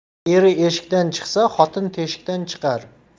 eri eshikdan chiqsa xotin teshikdan chiqar